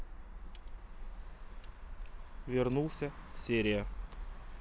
вернулся серия